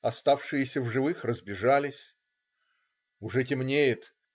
Оставшиеся в живых разбежались. Уже темнеет.